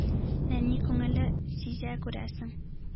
Нәни күңеле сизә, күрәсең!